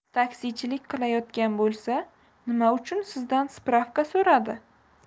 taksichilik qilayotgan bo'lsa nima uchun sizdan spravka so'radi